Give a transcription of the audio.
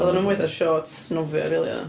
Oedden nhw mwy fatha shorts nofio rili oeddan.